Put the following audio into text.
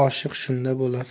oshiq shunda bo'lar